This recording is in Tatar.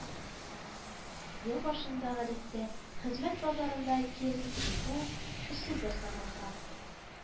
Ел башында, гадәттә, хезмәт базарында киеренкелек туып, эшсезләр саны арта